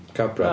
Cabra.